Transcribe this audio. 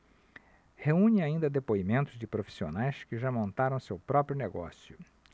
reúne ainda depoimentos de profissionais que já montaram seu próprio negócio